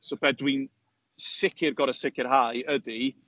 So be dwi'n sicr gorod sicrhau ydy...